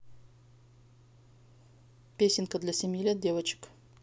песенка для семи лет девочек